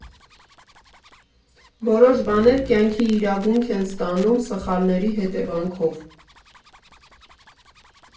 Որոշ բաներ կյանքի իրավունք են ստանում սխալների հետևանքով։